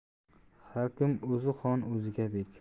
har kim o'ziga xon o'ziga bek